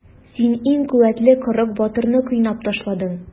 Син иң куәтле кырык батырны кыйнап ташладың.